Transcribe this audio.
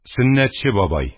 СӨННӘТЧЕ БАБАЙ